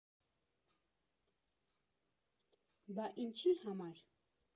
Բա ինչի՞ համար։